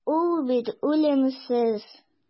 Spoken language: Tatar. Ул бит үлемсез.